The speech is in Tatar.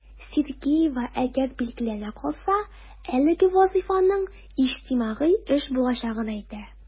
Сергеева, әгәр билгеләнә калса, әлеге вазыйфаның иҗтимагый эш булачагын әйтә.